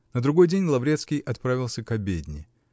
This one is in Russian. На другой день Лаврецкий отправился к обедне.